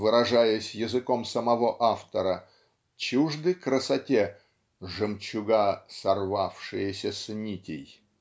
выражаясь языком самого автора чужды красоте "жемчуга сорвавшиеся с нитей"?